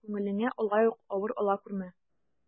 Күңелеңә алай ук авыр ала күрмә.